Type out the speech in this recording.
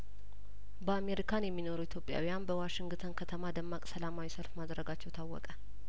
በአሜሪካን የሚኖሩ ኢትዮጵያውያን በዋሽንግተን ከተማ ደማቅ ሰላማዊ ሰልፍ ማድረጋቸው ታወቀ